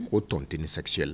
K ko t tɔn tɛ ni sasili la